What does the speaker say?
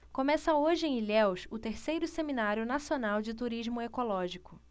começa hoje em ilhéus o terceiro seminário nacional de turismo ecológico